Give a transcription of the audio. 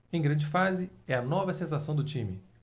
em grande fase é a nova sensação do time